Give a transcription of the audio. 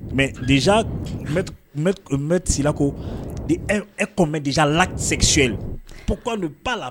Mɛ bɛti la ko e kun bɛ lasɛsoli pk baa la